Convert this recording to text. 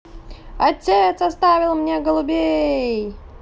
отец оставил мне голубей